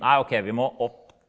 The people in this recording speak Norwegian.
nei ok vi må opp.